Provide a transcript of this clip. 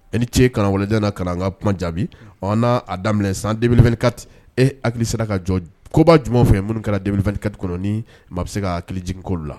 I ni ce kanawalejan na kalan ka kuma jaabi ɔ n'a daminɛ san denele kati e hakili sera ka jɔ koba jumɛnuma fɛ minnu kɛra denele kati kɔnɔ bɛ se ka' ki jigin ko la